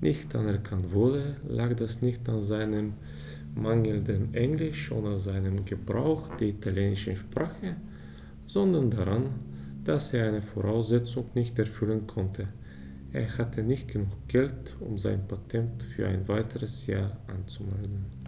nicht anerkannt wurde, lag das nicht an seinem mangelnden Englisch oder seinem Gebrauch der italienischen Sprache, sondern daran, dass er eine Voraussetzung nicht erfüllen konnte: Er hatte nicht genug Geld, um sein Patent für ein weiteres Jahr anzumelden.